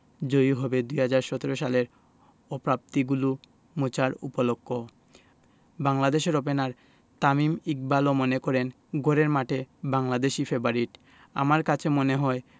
জয়ই হবে ২০১৭ সালের অপ্রাপ্তিগুলো মোছার উপলক্ষও বাংলাদেশের ওপেনার তামিম ইকবালও মনে করেন ঘরের মাঠে বাংলাদেশই ফেবারিট আমার কাছে মনে হয়